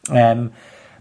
Yym.